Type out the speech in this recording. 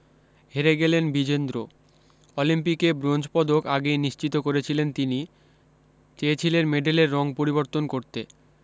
হেরে গেলেন বিজেন্দ্র অলিম্পিকে ব্রোঞ্জ পদক আগেই নিশ্চিত করেছিলেন তিনি চেয়েছিলেন মেডেলের রং পরিবর্তন করতে